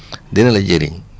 dina la jëriñ